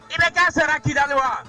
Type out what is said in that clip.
I bɛ kɛ sara kidali wa